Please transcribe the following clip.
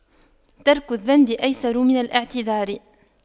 ترك الذنب أيسر من الاعتذار